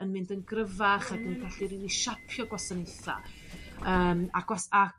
yn mynd yn gryfach ac yn gallu rili siapio gwasanaetha yym a gwas- a